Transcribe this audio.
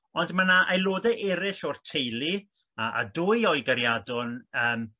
ond ma' 'na aeloda' erill o'r teulu a a dwy o'i gariadon yym